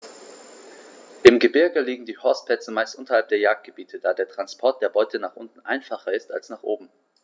Im Gebirge liegen die Horstplätze meist unterhalb der Jagdgebiete, da der Transport der Beute nach unten einfacher ist als nach oben.